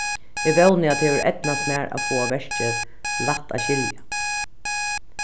eg vóni at tað hevur eydnast mær at fáa verkið lætt at skilja